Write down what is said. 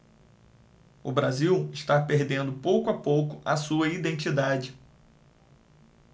o brasil está perdendo pouco a pouco a sua identidade